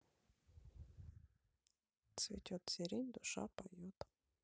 цветет сирень душа поет